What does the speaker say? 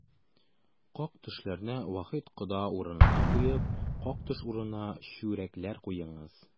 Как-төшләрне Вахит кода урынына куеп, как-төш урынына чүрәкләр куеңыз!